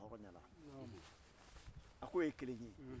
nka i mana fɛn o fɛn kɛ a la a bɛɛ kulen don a fɛ